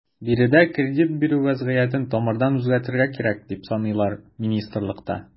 Биредә кредит бирү вәзгыятен тамырдан үзгәртергә кирәк, дип саныйлар министрлыкта.